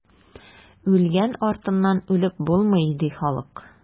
Үлгән артыннан үлеп булмый, ди халык.